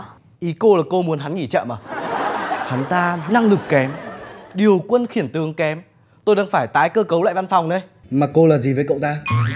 ý cô là cô muốn hắn nghỉ chậm à hắn ta năng lực kém điều quân khiển tướng kém tôi đang phải tái cơ cấu lại văn phòng đây mà cô là gì với cậu ta